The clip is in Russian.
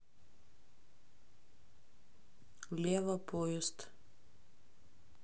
лева поезд